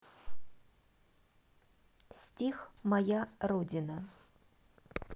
стих моя родина